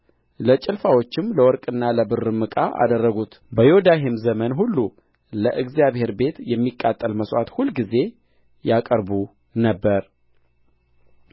ለጭልፋዎችም ለወርቅና ለብርም ዕቃ አደረጉት በዮዳሄም ዘመን ሁሉ ለእግዚአብሔር ቤት የሚቃጠል መሥዋዕት ሁልጊዜ ያቀርቡ ነበር